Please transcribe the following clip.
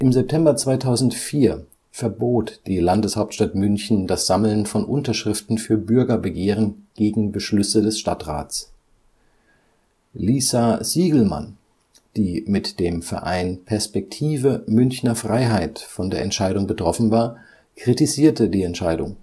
September 2004 verbot die Landeshauptstadt München das Sammeln von Unterschriften für Bürgerbegehren gegen Beschlüsse des Stadtrats. Liesa Siegelman, die mit dem Verein Perspektive Münchner Freiheit von der Entscheidung betroffen war, kritisierte die Entscheidung